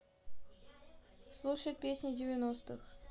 слушать песни девяностых